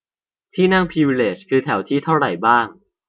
ที่นั่งพรีวิเลจคือแถวที่เท่าไหร่บ้าง